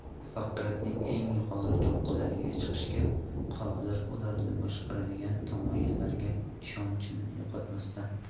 muvaffaqiyatning eng yuqori cho'qqilariga chiqishga qodir ularni boshqaradigan tamoyillarga ishonchni yo'qotmasdan